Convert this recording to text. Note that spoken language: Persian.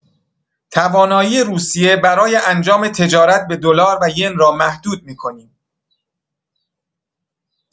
توانایی روسیه برای انجام تجارت به دلار و ین را محدود می‌کنیم.